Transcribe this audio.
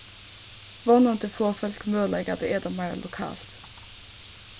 vónandi fáa fólk møguleika at eta meira lokalt